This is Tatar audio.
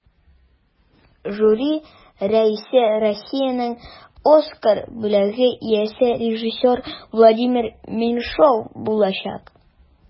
Жюри рәисе Россиянең Оскар бүләге иясе режиссер Владимир Меньшов булачак.